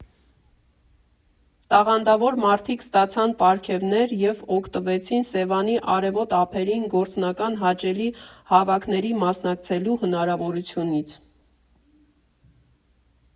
Տաղանդավոր մարդիկ ստացան պարգևներ և օգտվեցին Սևանի արևոտ ափերին գործնական հաճելի հավաքների մասնակցելու հնարավորությունից։